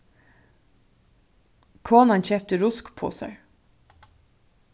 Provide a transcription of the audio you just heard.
konan keypti ruskposar